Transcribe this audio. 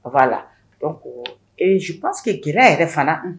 A la nci paseke gɛlɛya yɛrɛ fana